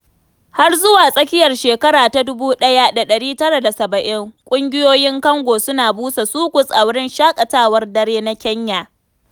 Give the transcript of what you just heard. Har zuwa tsakiyar 1970, ƙungiyoyin Congo suna busa soukous a wuraren shaƙatawar dare na Kenya.